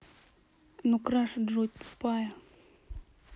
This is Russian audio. ну краша джой тупая